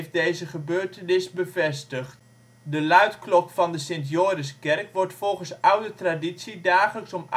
deze gebeurtenis bevestigd. De luidklok van de Sint-Joriskerk wordt volgens oude traditie dagelijks om